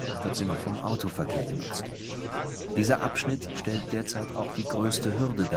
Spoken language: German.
wird sie vom Autoverkehr genutzt. Der Brückenneubau stellt derzeit auch die größte Hürde